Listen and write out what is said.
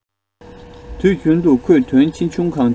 དུས རྒྱུན དུ ཁོས དོན ཆེ ཆུང གང འདྲ